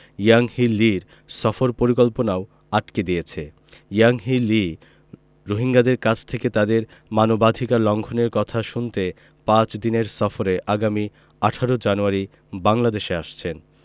Yanghee লির সফর পরিকল্পনাও আটকে দিয়েছে ইয়াংহি লি রোহিঙ্গাদের কাছ থেকে তাদের মানবাধিকার লঙ্ঘনের কথা শুনতে পাঁচ দিনের সফরে আগামী ১৮ জানুয়ারি বাংলাদেশে আসছেন